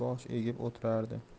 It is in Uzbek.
bosh egib o'tirardi